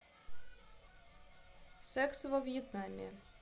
секс во вьетнаме